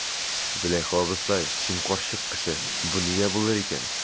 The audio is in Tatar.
Зөләйха абыстай, син карчык кеше, бу нигә булыр икән?